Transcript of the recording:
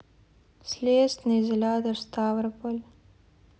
следственный изолятор ставрополь